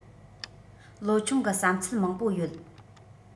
ལོ ཆུང གི བསམ ཚུལ མང པོ ཡོད